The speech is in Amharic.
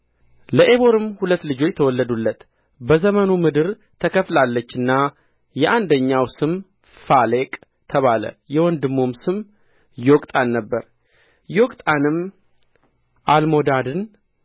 ለዔቦርም ሁለት ልጆች ተወለዱለት በዘመኑ ምድር ተከፍላለችና የአንደኛው ስም ፋሌቅ ተባለ የወንድሙም ስም ዮቅጣን ነበረ ዮቅጣንም አልሞዳድን